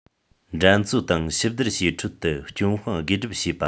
འགྲན རྩོད དང ཞིབ བསྡུར བྱེད ཁྲོད དུ སྐྱོན སྤངས དགེ སྒྲུབ བྱེད པ